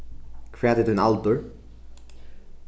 hvat er tín aldur